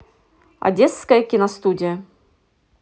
одесская киностудия